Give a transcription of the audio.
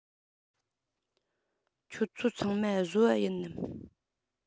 ཁྱོད ཚོ ཚང མ བཟོ པ ཡིན ནམ